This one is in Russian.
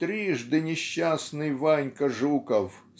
трижды несчастный Ванька Жуков